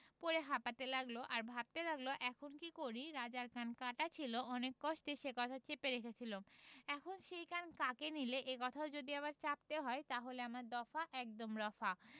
পড়ে হাঁপাতে লাগল আর ভাবতে লাগল এখন কী করি রাজার কান কাটা ছিল অনেক কষ্টে সে কথা চেপে রেখেছিলুম এখন সেই কান কাকে নিলে এ কথাও যদি আবার চাপতে হয় তাহলে আমার দফা একদম রফা